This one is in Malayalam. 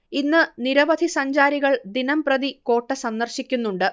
ഇന്ന് നിരവധി സഞ്ചാരികൾ ദിനം പ്രതി കോട്ട സന്ദർശിക്കുന്നുണ്ട്